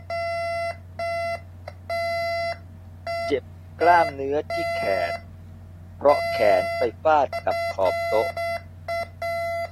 เจ็บกล้ามเนื้อที่แขนเพราะแขนไปฟาดกับขอบโต๊ะ